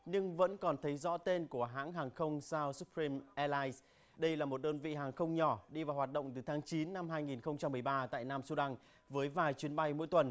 nhưng vẫn còn thấy rõ tên của hãng hàng không xao súp rim e lai đây là một đơn vị hàng không nhỏ đi vào hoạt động từ tháng chín năm hai nghìn không trăm mười ba tại nam xu đăng với vài chuyến bay mỗi tuần